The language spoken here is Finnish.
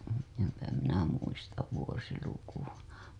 enpä minä muista vuosilukua